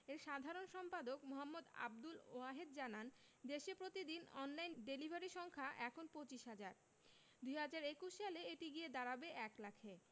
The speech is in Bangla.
এর সাধারণ সম্পাদক মো. আবদুল ওয়াহেদ জানান দেশে প্রতিদিন অনলাইন ডেলিভারি সংখ্যা এখন ২৫ হাজার ২০২১ সালে এটি গিয়ে দাঁড়াবে ১ লাখে